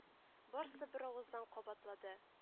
Барсы беравыздан кабатлады: